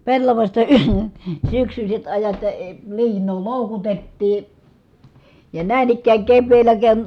pellavasta - syksyiset ajat ja - liinaa loukutettiin ja näin ikään keväällä ken